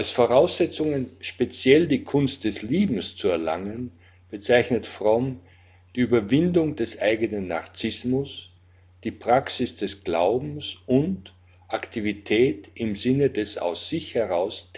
Voraussetzungen, speziell die Kunst des Liebens zu erlangen, bezeichnet Fromm die Überwindung des eigenen Narzissmus, die Praxis des Glaubens und Aktivität im Sinne des aus sich heraus